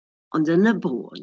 Ond yn y bôn,